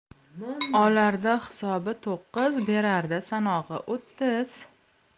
olarda hisobi to'qqiz berarda sanog'i o'ttiz